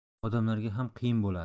odamlarga ham qiyin bo'ladi